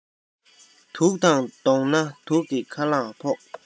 དུག དང བསྡོངས ན དུག གི ཁ རླངས ཕོག